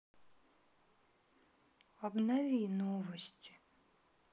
обнови новости